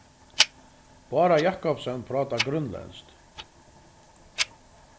bára jakobsen prátar grønlendskt